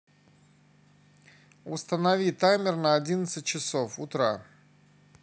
установи таймер на одиннадцать часов утра